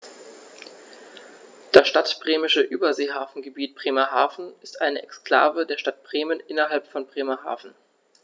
Das Stadtbremische Überseehafengebiet Bremerhaven ist eine Exklave der Stadt Bremen innerhalb von Bremerhaven.